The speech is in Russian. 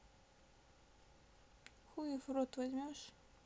хуев в рот возьмешь